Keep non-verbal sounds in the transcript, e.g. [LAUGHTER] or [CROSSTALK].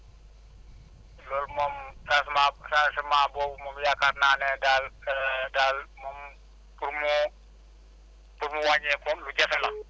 loolu moom changement chnagement boobu moom yaakaar naa ne daal [HESITATION] daal moom pour mu pour mu wàññeeku moom lu jafe la